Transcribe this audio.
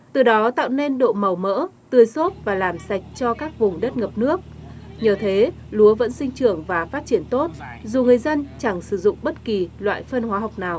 từ đó tạo nên độ màu mỡ tơi xốp và làm sạch cho các vùng đất ngập nước nhờ thế lúa vẫn sinh trưởng và phát triển tốt dù người dân chẳng sử dụng bất kỳ loại phân hóa học nào